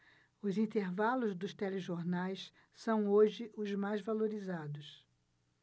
os intervalos dos telejornais são hoje os mais valorizados